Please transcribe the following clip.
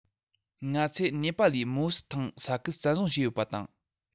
ཁོ ཚོས ནེ པ ལའི མུའུ སི ཐང ས ཁུལ བཙན བཟུང བྱས ཡོད པ དང